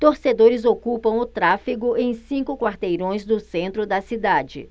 torcedores ocuparam o tráfego em cinco quarteirões do centro da cidade